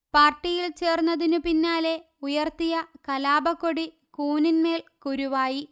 പാർട്ടിയിൽ ചേർന്നതിനു പിന്നാലെ ഉയർത്തിയ കലാപക്കൊടി കൂനിൻമേൽ കുരുവായി